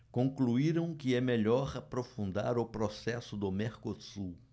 concluíram que é melhor aprofundar o processo do mercosul